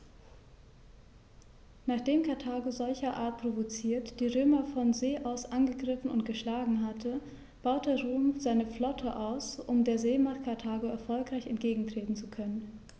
Nachdem Karthago, solcherart provoziert, die Römer von See aus angegriffen und geschlagen hatte, baute Rom seine Flotte aus, um der Seemacht Karthago erfolgreich entgegentreten zu können.